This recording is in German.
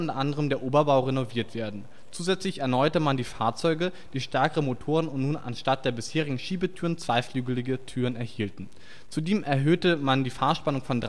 anderem der Oberbau renoviert werden. Zusätzlich erneuerte man die Fahrzeuge, die stärkere Motoren und nun anstatt der bisherigen Schiebetüren zweiflügelige Türen erhielten. Zudem erhöhte man die Fahrspannung von